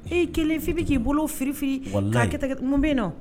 I kelen f'i bɛ k'i bolo fili fili; Walahi; K'a kɛta kɛta, mun bɛ yen nɔ?